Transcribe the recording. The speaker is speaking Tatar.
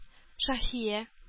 Шаһия